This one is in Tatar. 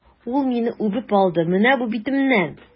Ул мине үбеп алды, менә бу битемнән!